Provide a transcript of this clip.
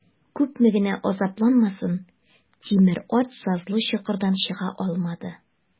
Күпме генә азапланмасын, тимер ат сазлы чокырдан чыга алмады.